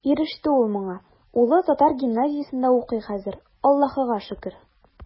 Иреште ул моңа, улы татар гимназиясендә укый хәзер, Аллаһыга шөкер.